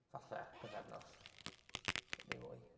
Falle pythefnos neu mwy.